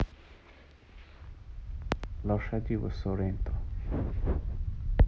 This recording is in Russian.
лошадь в соренто